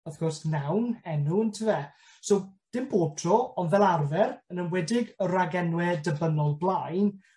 Wrth gwrs noun enw, on't yfe? So dim bob tro ond fel arfer, yn enwedig ragennwe dibynnol blaen,